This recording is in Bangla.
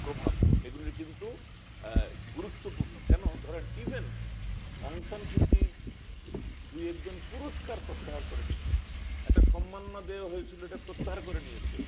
প্রভাব এগুলো কিন্তু গুরুত্বপূর্ণ কেন ধরে নিবেন অং সান সুচির দু'একজন পুরস্কার প্রত্যাহার করে নিচ্ছে একটা সম্মাননা দেয়া হয়েছিল এটা প্রত্যাহার করে নিয়েছে